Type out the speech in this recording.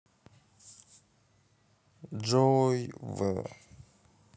джой в